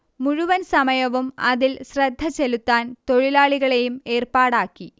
മുഴുവൻ സമയവും അതിൽ ശ്രദ്ധചെലുത്താൻ തൊഴിലാളികളെയും ഏർപ്പാടാക്കി